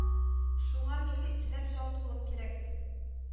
Шуңа милли, төбәк җаваплылык кирәк